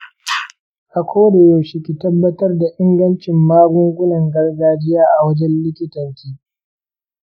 a koda yaushe ki tabbatar da ingancin magugunaan gargajiya a wajen likitanki.